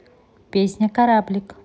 песня кораблик